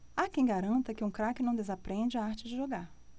há quem garanta que um craque não desaprende a arte de jogar